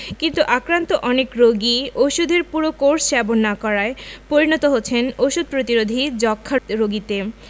কিন্তু আক্রান্ত অনেক রোগী ওষুধের পুরো কোর্স সেবন না করায় পরিণত হচ্ছেন ওষুধ প্রতিরোধী যক্ষ্মা রোগীতে